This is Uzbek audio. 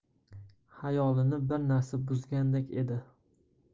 xayolini bir narsa buzgandek edi